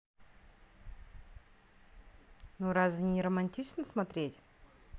ну разве не романтично смотреть